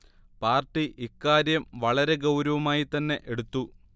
party ഇക്കാര്യം വളരെ ഗൌരവമായി തന്നെ എടുത്തു